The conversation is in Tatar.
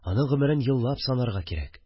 Аның гомерен еллап санарга кирәк